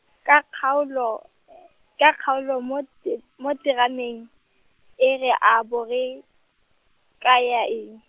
ka kgaolo , ka kgaolo mo te-, mo terameng, e ra bo re, kaya eng?